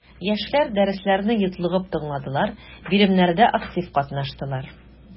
Яшьләр дәресләрне йотлыгып тыңладылар, биремнәрдә актив катнаштылар.